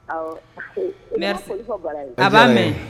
A b'a mɛn